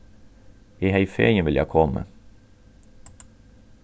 eg hevði fegin viljað komið